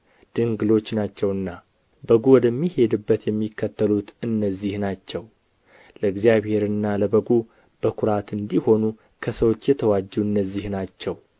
ድንግሎች ናቸውና በጉ ወደሚሄድበት የሚከተሉት እነዚህ ናቸው ለእግዚአብሔርና ለበጉ በኵራት እንዲሆኑ ከሰዎች የተዋጁ እነዚህ ናቸው